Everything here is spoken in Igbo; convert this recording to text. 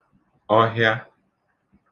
ọhịa